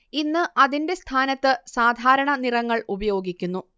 ഇന്ന് അതിന്റെ സ്ഥാനത്ത് സാധാരണ നിറങ്ങൾ ഉപയോഗിക്കുന്നു